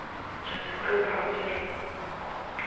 джой закрой браузер